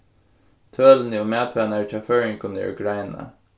tølini um matvanar hjá føroyingum eru greinað